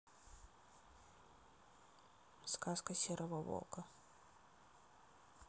сказка серого волка